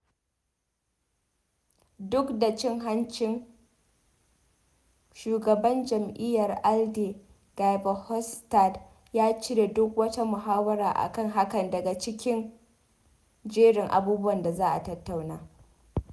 Duk da shaidar cin hanci, Shugaban jam'iyyar ALDE, Guy Verhofstadt ya cire duk wata muhawara a kan hakan daga cikin jerin abubuwan da za'a tattauna.